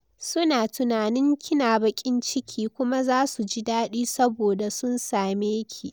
Su na tunanin kina bakin ciki kuma za su ji dadi saboda sun same ki."